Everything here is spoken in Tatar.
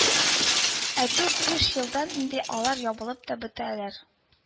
Ә дүрт-биш елдан инде алар ябылып та бетәләр